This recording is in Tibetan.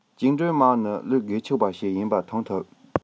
བཅིངས འགྲོལ དམག ནི བློས འགེལ ཆོག པ ཞིག ཡིན པ མཐོང ཐུབ